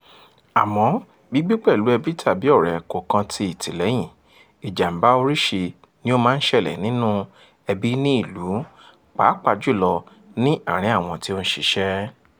Àmọ́ gbígbé pẹ̀lú ẹbí tàbí ọ̀rẹ́ kò kan ti ìtìlẹyìn. Ìjàmbá oríṣi ni ó máa ń ṣẹlẹ̀ nínú ẹbí ní ìlú, pàápàá jù lọ ní àárín àwọn tí ó ń ṣiṣẹ́.